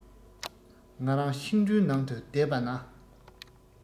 ང རང ཤིང གྲུའི ནང དུ བསྡད པ ན